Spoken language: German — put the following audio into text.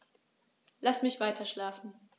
Lass mich weiterschlafen.